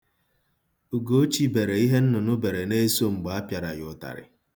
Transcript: Ugochi bere ihe nnụnụ bere n'eso mgbe a pịara ya ụtarị.